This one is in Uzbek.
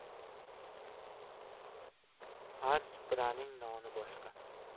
har supraning noni boshqa